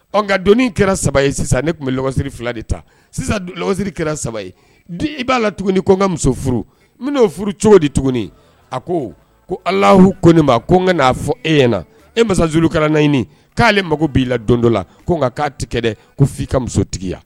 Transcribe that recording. Ɔ nka doni kɛra saba ye sisan ne tun bɛ siri fila de ta sisan siri kɛra saba i b'a la tuguni ko n ka muso furu n'o furu cogo di tuguni a ko ko alah ko ma ko n ka n'a fɔ e ɲɛna na e masazkala naɲini k'ale mago b' i la don dɔ la ko nka k'a tɛ kɛ dɛ ko f' i ka muso tigiya